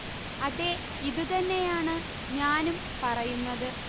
അതെ ഇതു തന്നെയാണ് ഞാനും പറയുന്നത്